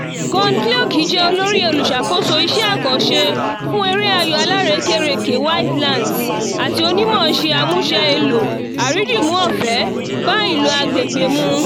GunChleoc jẹ́ Olórí (olùṣàkóso iṣẹ́ àkànṣe) fún eré ayò alárekérekè Widelands àti onímọ̀ọ́ṣe amúṣẹ́-èlò àìrídìmú ọ̀fẹ́ bá-ìlò-agbègbèmu.